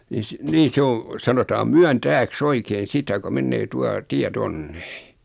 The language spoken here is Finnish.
niin - niin se on sanotaan Myöntääksi oikein sitä kun menee tuo tie tuonne